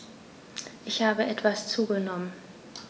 Ich habe etwas zugenommen